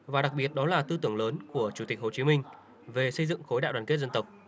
và đặc biệt đó là tư tưởng lớn của chủ tịch hồ chí minh về xây dựng khối đại đoàn kết dân tộc